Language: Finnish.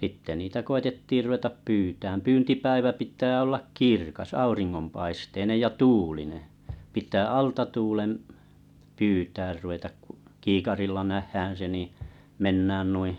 sitten niitä koetettiin ruveta pyytämään pyyntipäivä pitää olla kirkas auringonpaisteinen ja tuulinen pitää alta tuulen pyytämään ruveta kun kiikarilla nähdään se niin mennään noin